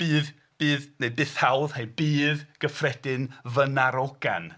Bydd... bydd... neu bithaud neu bydd "gyffredin fy narogan".